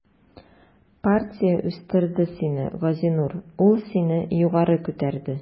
Партия үстерде сине, Газинур, ул сине югары күтәрде.